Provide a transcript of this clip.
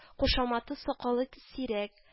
Кушаматы — сакалы сирәк